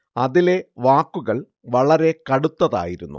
അതിലെ വാക്കുകൾ വളരെ കടുത്തതായിരുന്നു